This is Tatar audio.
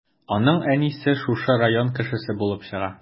Аның әнисе шушы район кешесе булып чыга.